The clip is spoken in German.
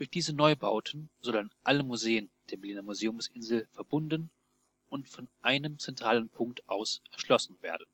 diese Neubauten sollen alle Museen der Berliner Museumsinsel verbunden und von einem zentralen Punkt aus erschlossen werden